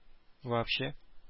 Вообще